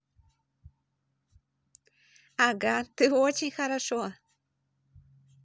ага ты очень хорошо